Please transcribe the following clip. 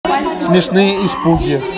смешные испуги